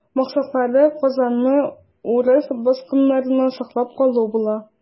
Максатлары Казанны урыс баскыннарыннан саклап калу була.